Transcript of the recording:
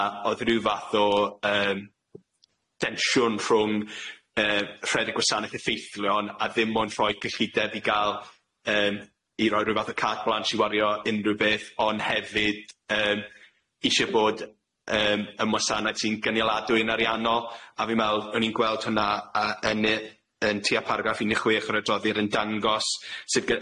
A o'dd ryw fath o yym densiwn rhwng yy rhedeg gwasanaeth effeithlon a ddim ond ffoi cyllideb i ga'l yym i roi ryw fath o cat blanch i wario unrhyw beth, ond hefyd yym isie bod yym ymwasanaeth sy'n gynialadwy'n ariannol, a fi'n me'wl o'n i'n gweld hwnna a yn y yn tua paragraff unde chwech o'r adroddir yn dangos sut g-